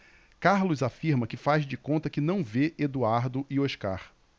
carlos afirma que faz de conta que não vê eduardo e oscar